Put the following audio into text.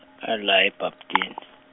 ngala eBhabtini.